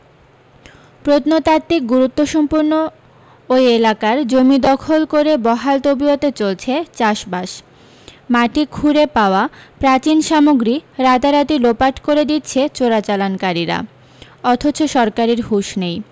প্রত্নতাত্ত্বিক গুরুত্বসম্পন্ন ওই এলাকার জমি দখল করে বহাল তবিয়তে চলছে চাষবাস মাটি খুঁড়ে পাওয়া প্রাচীন সামগ্রী রাতারাতি লোপাট করে দিচ্ছে চোরাচালানকারীরা অথচ সরকারের হুঁশ নেই